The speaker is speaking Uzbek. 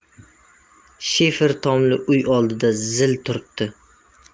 shifer tomli uy oldida zil turibdi